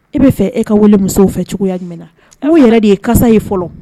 E bɛ fɛ e ka weele musow fɛ cogoya na a y'o yɛrɛ de ye karisasa ye fɔlɔ